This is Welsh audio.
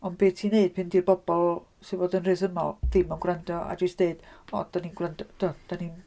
Ond be ti'n wneud pan 'di'r bobl sydd fod yn rhesymol ddim yn gwrando a jyst deud "dan ni'n gwran- dyn ni'n"...